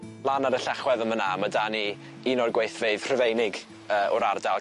Lan ar y llechwedd yn fan 'na ma' 'da ni un o'r gweithfeydd Rhufeinig yy o'r ardal